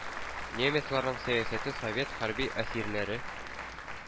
Немецларның сәясәте, совет хәрби әсирләре